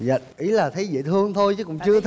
dạ ý là thấy dễ thương thôi chứ cũng chưa